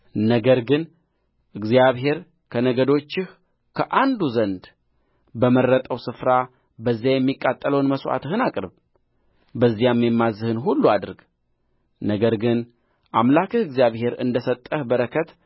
ነገር ግን እግዚአብሔር ከነገዶችህ ከአንዱ ዘንድ በመረጠው ስፍራ በዚያ የሚቃጠለውን መሥዋዕትህን አቅርብ በዚያም የማዝዝህን ሁሉ አድርግ ነገር ግን አምላክህ እግዚአብሔር እንደ ሰጠህ በረከት